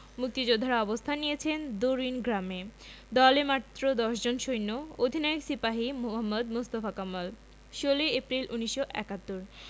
মুক্তিযোদ্ধারা অবস্থান নিয়েছেন দরুইন গ্রামে দলে মাত্র দশজন সৈন্য অধিনায়ক সিপাহি মোহাম্মদ মোস্তফা কামাল ১৬ এপ্রিল ১৯৭১